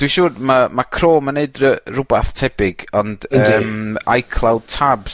dwi siŵr ma' ma' Chrome yn neud rwbath tebyg ond... Yndi. ...yym Icloud tabs